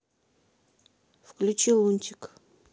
включи лунтик